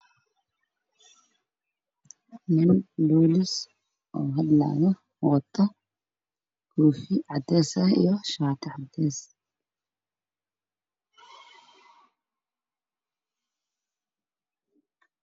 Waa nin askari boolis oo makarafoor ku hadlaan